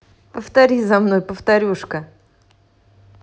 повтори за мной повторюшка